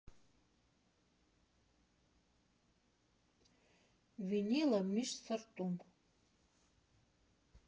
Վինիլը՝ միշտ սրտում։